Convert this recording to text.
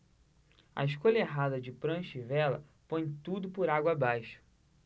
a escolha errada de prancha e vela põe tudo por água abaixo